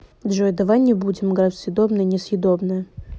джой давай не будем играть в съедобное несъедобное